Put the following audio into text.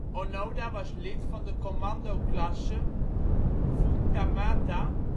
Onoda was lid van de commandoklasse " Futamata